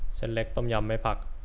เส้นเล็กต้มยำไม่ผัก